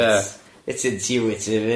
It's it's intuitive innit?